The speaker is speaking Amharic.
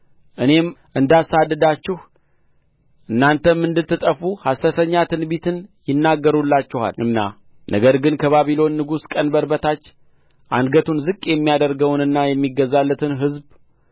እኔም እንዳሳድዳችሁ እናንተም እንድትጠፉ ሐሰተኛ ትንቢትን ይናገሩላችኋልና ነገር ግን ከባቢሎን ንጉሥ ቀንበር በታች አንገቱን ዝቅ የሚያደርገውንና የሚገዛለትን ሕዝብ